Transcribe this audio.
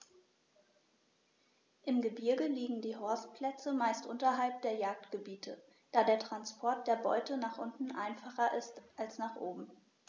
Im Gebirge liegen die Horstplätze meist unterhalb der Jagdgebiete, da der Transport der Beute nach unten einfacher ist als nach oben.